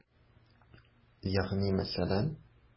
Ягъни мәсәлән?